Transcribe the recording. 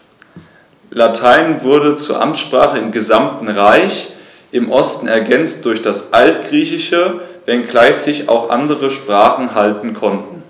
Latein wurde zur Amtssprache im gesamten Reich (im Osten ergänzt durch das Altgriechische), wenngleich sich auch andere Sprachen halten konnten.